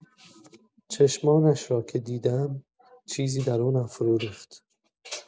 چشمانش را که دیدم، چیزی درونم فرو ریخت.